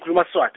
khuluma Swati.